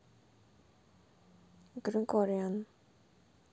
gregorian